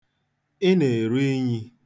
Ị na-eru unyi.